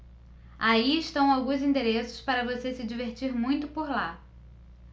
aí estão alguns endereços para você se divertir muito por lá